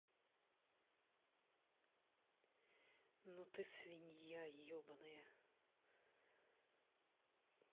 ну ты свинья ебаная